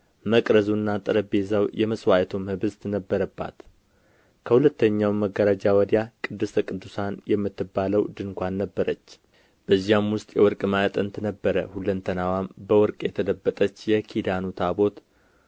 መቅረዙና ጠረጴዛው የመስዋዕቱም ኅብስት ነበረባት ከሁለተኛውም መጋረጃ ወዲያ ቅድስተ ቅዱሳን የምትባለው ድንኳን ነበረች በዚያም ውስጥ የወርቅ ማዕጠንት ነበረ ሁለንተናዋም በወርቅ የተለበጠች የኪዳን ታቦት